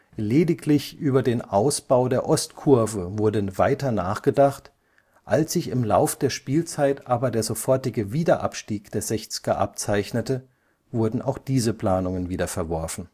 Lediglich über den Ausbau der Ostkurve wurde weiter nachgedacht, als sich im Lauf der Spielzeit aber der sofortige Wiederabstieg der Sechzger abzeichnete, wurden auch diese Planungen wieder verworfen